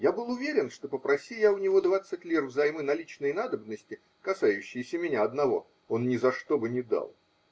я был уверен, что попроси я у него двадцать лир взаймы на личные надобности, касающиеся меня одного, он ни за что бы не дал.